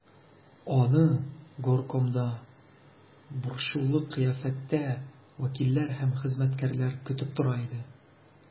Аны горкомда борчулы кыяфәттә вәкилләр һәм хезмәткәрләр көтеп тора иде.